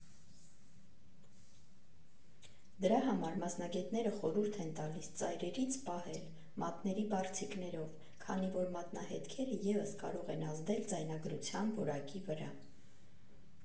Դրա համար մասնագետները խորհուրդ են տալիս ծայրերից պահել՝ մատների բարձիկներով, քանի որ մատնահետքերը ևս կարող են ազդել ձայնագրության որակի վրա։